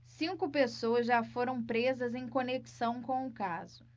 cinco pessoas já foram presas em conexão com o caso